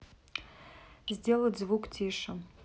сделать звук тише